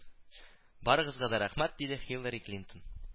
Барыгызга да рәхмәт , диде Һиллари Клинтон